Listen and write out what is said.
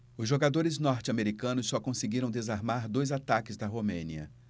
os jogadores norte-americanos só conseguiram desarmar dois ataques da romênia